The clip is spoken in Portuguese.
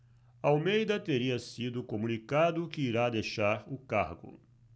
almeida teria sido comunicado que irá deixar o cargo